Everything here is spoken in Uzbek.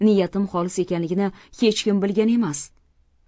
niyatim xolis ekanligini hech kim bilgan emas